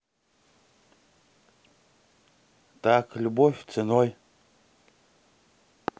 так любовь ценой